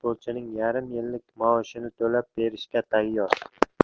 futbolchining yarim yillik maoshini to'lab berishga tayyor